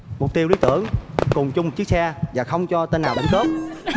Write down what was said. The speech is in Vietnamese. mục tiêu lý tưởng cùng chung một chiếc xe và không cho tên nào đi tốt